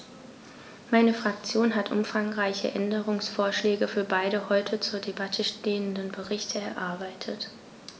Meine Fraktion hat umfangreiche Änderungsvorschläge für beide heute zur Debatte stehenden Berichte erarbeitet.